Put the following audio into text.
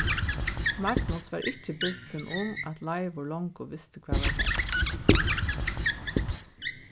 magnus var ikki bilsin um at leivur longu visti hvat var hent